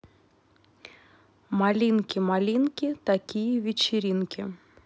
малинки малинки такие вечеринки